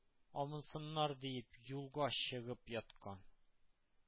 Абынсыннар диеп юлга чыгып яткан.